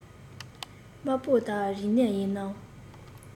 དམར པོ དག རིག གནས ཡིན ནམ